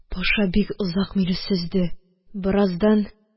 Паша бик озак мине сөзде, бераздан